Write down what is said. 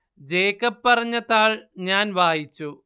Jacob പറഞ്ഞ താൾ ഞാൻ വായിച്ചു